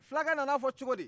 fulakɛ nan'a fɔ cogo di